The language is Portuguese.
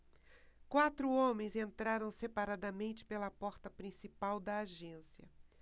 quatro homens entraram separadamente pela porta principal da agência